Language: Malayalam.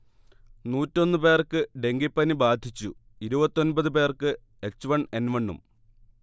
നൂറ്റൊന്ന് പേർക്ക് ഡെങ്കിപ്പനി ബാധിച്ചു ഇരുപത്തൊൻപത് പേർക്ക് എച്ച്വൺ എൻവണും